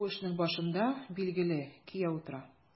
Ә бу эшнең башында, билгеле, кияү тора.